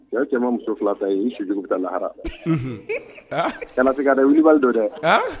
Cɛ o cɛ i ma muso 2 ta, i su jugu bɛ taa lahara. kana siga dɛ, wulibali de dɛ. An!